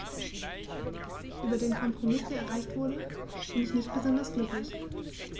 Über den Kompromiss, der erreicht wurde, bin ich nicht besonders glücklich.